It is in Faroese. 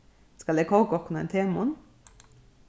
skal eg kóka okkum ein temunn